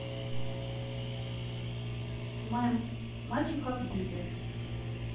мем мальчик абьюзер